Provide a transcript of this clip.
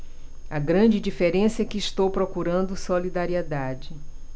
a grande diferença é que eu estou procurando solidariedade